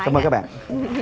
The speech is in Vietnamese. cảm ơn các bạn